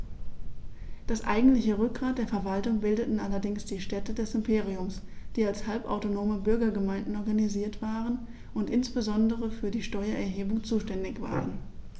Das eigentliche Rückgrat der Verwaltung bildeten allerdings die Städte des Imperiums, die als halbautonome Bürgergemeinden organisiert waren und insbesondere für die Steuererhebung zuständig waren.